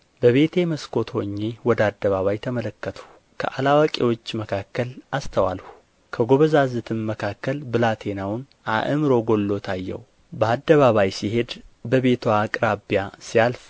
በቤቴ መስኮት ሆኜ ወደ አደባባይ ተመለከትሁ ከአላዋቂዎች መካከል አስተዋልሁ ከጐበዛዝትም መካከል ብላቴናውን አእምሮ ጐድሎት አየሁ በአደባባይ ሲሄድ በቤትዋም አቅራቢያ ሲያልፍ